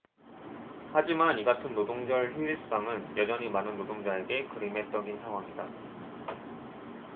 하지만 이같은 노동절 휴일수당은 여전히 많은 노동자에게 그림의 떡인 상황이다